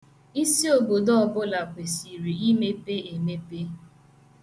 Isiobodo ọbụla kwesiri imepe emepe.